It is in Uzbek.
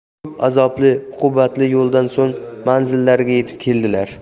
ko'p azobli uqubatli yo'ldan so'ng manzillariga yetib keldilar